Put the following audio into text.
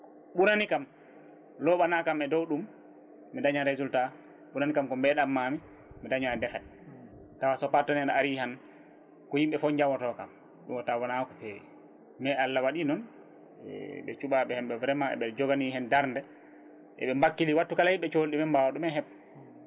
ɓurani kam loɓanakam e dow ɗum mi daña résultat ɓurani kam ko mbeɗanmami mi daña défait tawa so partenaire ari tan ko yimɓe fo jawotokam ɗum taw wona ko fewi mais Allah waɗi noon ɓe ɓe cuuɓa ɓenɗo vraiment ɓe jogani hen darde eɓe mbakkili wattu kala ɓe cohli ɗumen mbawa ɗumen heeb